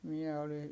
minä olin